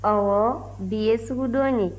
ɔwɔ bi ye sugudon ye